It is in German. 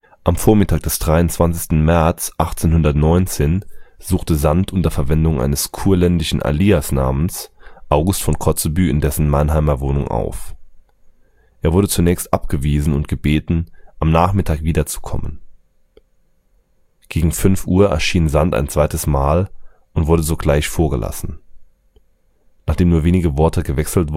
Am Vormittag des 23. März 1819 suchte Sand unter Verwendung eines kurländischen Aliasnamens August von Kotzebue in dessen Mannheimer Wohnung auf. Er wurde zunächst abgewiesen und gebeten, am Nachmittag wieder zu kommen. Gegen fünf Uhr erschien Sand ein zweites Mal und wurde sogleich vorgelassen. Nachdem nur wenige Worte gewechselt